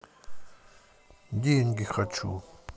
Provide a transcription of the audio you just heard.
деньги хочу